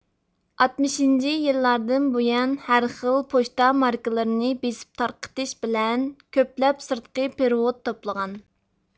ئاتمىشىنچى يىللاردىن بۇيان ھەرخىل پوچتا ماركىلىرىنى بېسىپ تارقىتىش بىلەن كۆپلەپ سىرتقى پېرېۋوت توپلىغان